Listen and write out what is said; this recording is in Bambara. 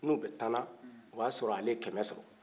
ni u bɛ tan na o bɛ a sɔrɔ a le ye kɛmɛ sɔrɔ